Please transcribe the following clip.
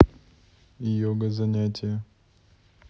йога занятие